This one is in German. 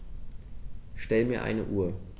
Stell mir eine Uhr.